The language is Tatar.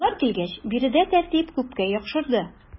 Алар килгәч биредә тәртип күпкә яхшырды.